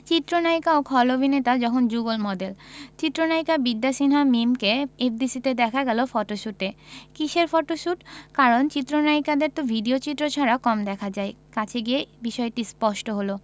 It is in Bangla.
চিত্রনায়িকা ও খল অভিনেতা যখন যুগল মডেল চিত্রনায়িকা বিদ্যা সিনহা মিমকে এফডিসিতে দেখা গেল ফটোশুটে কিসের ফটোশুট কারণ চিত্রনায়িকাদের তো ভিডিওচিত্রে ছাড়া কম দেখা যায় কাছে গিয়ে বিষয়টি স্পষ্ট হলো